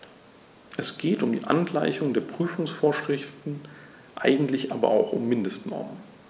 Es geht um die Angleichung der Prüfungsvorschriften, eigentlich aber auch um Mindestnormen.